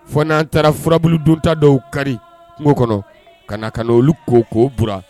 Fɔ n'an taara furabudonta dɔw kari kungo kɔnɔ ka na ka' olu k' k'oura